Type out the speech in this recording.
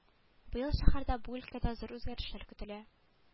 Быел шәһәрдә бу өлкәдә зур үзгәрешләр көтелә